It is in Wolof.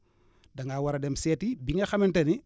da ngaa war a dem seeti bi nga xamante ni